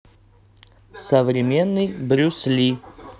современный брюс ли